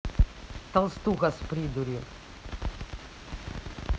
толстуха с придурью